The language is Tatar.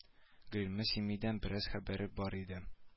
Гыйльме симиядән бераз хәбәре бар иде